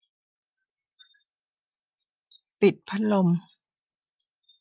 ปิดพัดลม